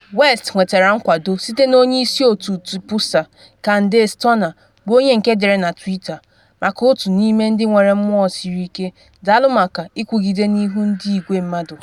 West nwetara nkwado site na onye isi otu TPUSA, Candace Turner, bụ onye nke dere na twitter: “Maka otu n’ime ndị nwere mmụọ siri ike: DAALỤ MAKA ỊKWỤGIDE N’IHU NDỊ IGWE MMADỤ.”